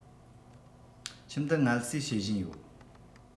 ཁྱིམ དུ ངལ གསོས བྱེད བཞིན ཡོད